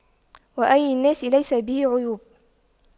وأي الناس ليس به عيوب